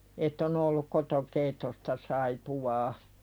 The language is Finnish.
että on ollut kotokeittoista saippuaa